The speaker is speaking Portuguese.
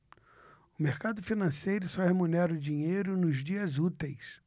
o mercado financeiro só remunera o dinheiro nos dias úteis